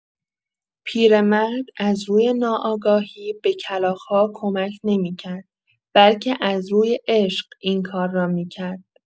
پیرمرد از روی ناآگاهی به کلاغ‌ها کمک نمی‌کرد، بلکه از روی عشق این کار را می‌کرد.